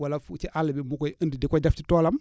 wala foofu ci àll bi bu koy indi di ko def ci toolam